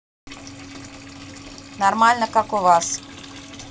нормально как у вас